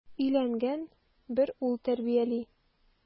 Өйләнгән, бер ул тәрбияли.